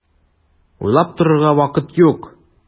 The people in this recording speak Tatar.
Уйлап торырга вакыт юк!